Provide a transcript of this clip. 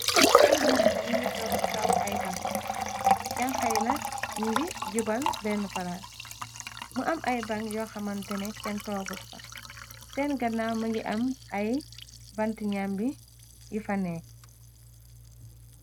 Ay janxa ñi ngi toog ci kaw ay bang janxayi nak ni ngi jubal benn paraas mu am ay bang yoxamantene kenn toogut fax seen gannaaw mëngi am ay banti nambi yu fa neeh.